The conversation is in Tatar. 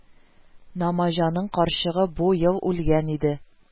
Намаҗанның карчыгы бу ел үлгән иде